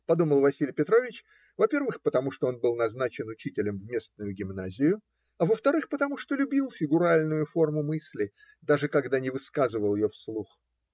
подумал Василий Петрович, во-первых, потому, что он был назначен учителем в местную гимназию, а во-вторых, потому, что любил фигуральную форму мысли, даже когда не высказывал ее вслух.